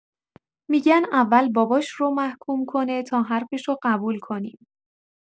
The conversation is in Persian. می‌گن اول باباش رو محکوم کنه تا حرفشو قبول کنیم!